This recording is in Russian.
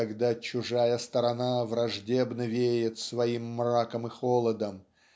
когда "чужая сторона враждебно веет своим мраком и холодом